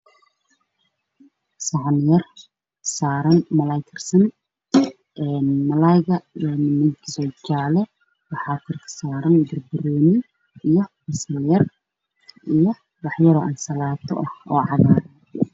Waa saxan yar waxaa saaran malaay karsan oo jaale waxaa kor kasaaran barbanooni, basal yar iyo wax yaro ansalaato oo cagaaran.